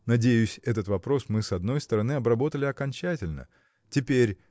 Надеюсь, этот вопрос мы с одной стороны обработали окончательно. Теперь.